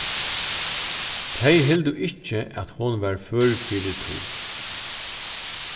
tey hildu ikki at hon var før fyri tí